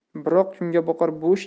biroq kungaboqar bo'sh